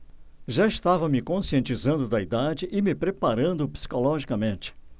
já estava me conscientizando da idade e me preparando psicologicamente